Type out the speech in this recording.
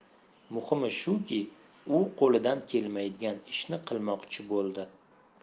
muhimi shuki u qo'lidan kelmaydigan ishni qilmoqchi bo'ldi